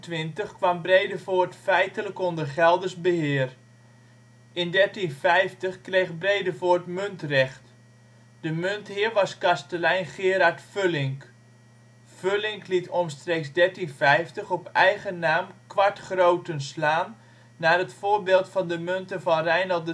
1326 kwam Bredevoort feitelijk onder Gelders beheer. In 1350 kreeg Bredevoort muntrecht. De muntheer was kastelein Gerard Vullinc. Vullinc liet omstreeks 1350 op eigen naam ' kwart groten ' slaan naar het voorbeeld van de munten van Reinald